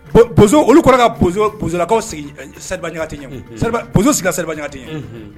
Bozo olu kɔnna ka bozolakaw sigi Seriba Ɲagate ɲɛ, bozow sigira Ɲagate ɲɛ